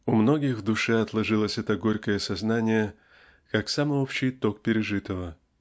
У многих в душе отложилось это горькое сознание как самый общий итог пережитого.